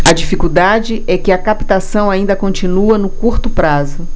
a dificuldade é que a captação ainda continua no curto prazo